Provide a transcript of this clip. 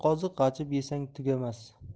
qoziq g'ajib yesang tugamas